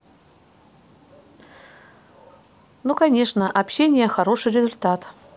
ну конечно общения хороший результат